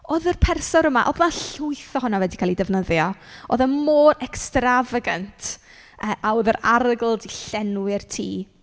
Oedd yr persawr yma... oedd 'na llwyth ohonno fe 'di cael ei ddefnyddio, oedd e mor extravagant, yy a oedd yr arogl 'di llenwi'r tŷ.